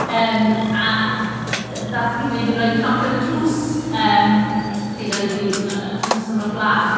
Yym a d- daeth rywun i roi cnoc ar y drws, yym pryd oedd hi, no- noson o'r blaen.